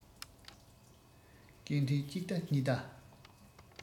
སྐད འཕྲིན གཅིག ལྟ གཉིས ལྟ